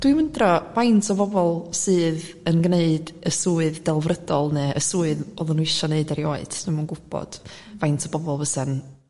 dwi'n wyndro faint o bobol sydd yn gneud y swydd delfrydol ne' y swydd odda nw isio neud erioed dwi'm yn gwbod faint o bobol fysa'n